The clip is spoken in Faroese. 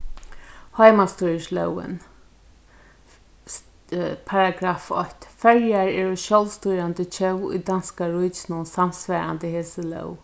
heimastýrislógin paragraf eitt føroyar eru sjálvstýrandi tjóð í danska ríkinum samsvarandi hesi lóg